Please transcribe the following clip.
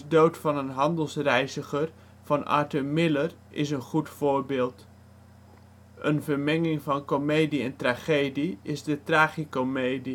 Dood van een Handelsreiziger van Arthur Miller is een goed voorbeeld. Een vermenging van komedie en tragedie is de tragikomedie. Het